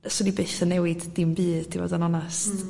'swn i byth yn newid dim byd i fod yn onast